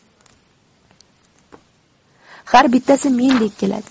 har bittasi mendek keladi